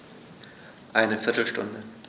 Eine viertel Stunde